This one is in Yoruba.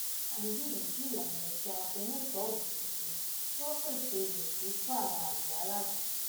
Cuba ń gbìyànjú ìlànà-ìṣe ajẹmétò-ọ̀gbìn tuntun tí ó ń pèsè ilẹ̀ síi fún àwọn àgbẹ̀ aládàáni.